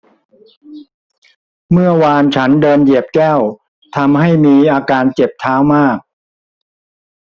เมื่อวานฉันเดินเหยียบแก้วทำให้มีอาการเจ็บเท้ามาก